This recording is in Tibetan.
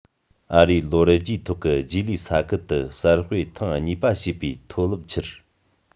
ཨ རིའི ལོ རྒྱུས ཐོག གི རྗེས ལུས ས ཁུལ དུ གསར སྤེལ ཐེངས གཉིས པ བྱེད པའི མཐོ རླབས འཕྱུར